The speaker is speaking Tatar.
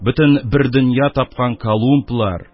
Бөтен бер дөнья тапкан колумблар